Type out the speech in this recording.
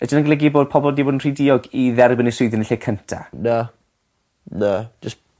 ydi nw'n golygu bod pobol 'di fod yn rhy diog i dderbyn y swyddi yn y lle cynta. Na. Na jys